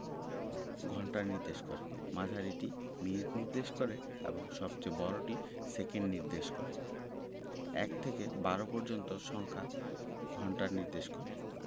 ঘন্টা নির্দেশ করে মাঝারিটি মিনিট নির্দেশ করে এবং সবচেয়ে বড়টি সেকেন্ড নির্দেশ করে ১ থেকে ১২ পর্যন্ত সংখ্যা ঘন্টা নির্দেশ করে